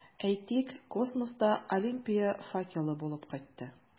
Әйтик, космоста Олимпия факелы булып кайтты.